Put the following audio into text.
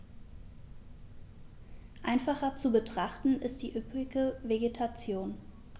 Einfacher zu betrachten ist die üppige Vegetation.